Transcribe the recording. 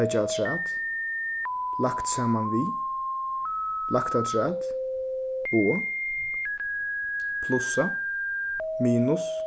leggja afturat lagt saman við lagt afturat og plussa minus